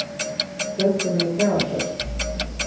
fjøllini eru kavaklødd